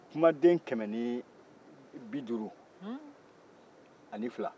kumaden kɛmɛ ani biduuru ni fila